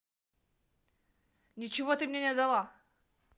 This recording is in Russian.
ничего ты мне дала